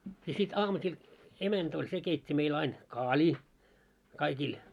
ja sitten aamusilla emäntä oli se keitti meillä aina kaalia kaikille